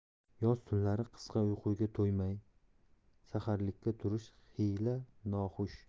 yoz tunlari qisqa uyquga to'ymay saharlikka turish xiyla noxush